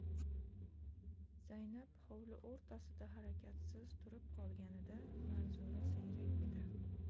zaynab hovli o'rtasida harakatsiz turib qolganida manzura ziyrak edi